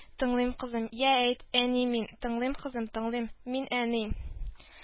- тыңлыйм, кызым, я, әйт. - әни, мин... - тыңлыйм, кызым, тыңлыйм. - мин, әни